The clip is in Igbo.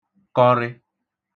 kọrị